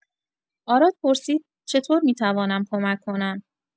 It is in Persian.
آراد پرسید: «چطور می‌توانم کمک کنم؟»